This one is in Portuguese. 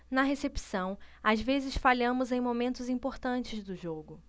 na recepção às vezes falhamos em momentos importantes do jogo